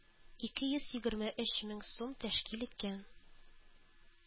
Ике йөз егерме өч мең сум тәшкил иткән